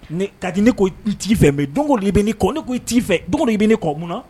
Kadi ne ko n t'i fɛ mais don o don i bɛ ne kɔ ne ko n t'i fɛ don o don i bɛ ne kɔ munna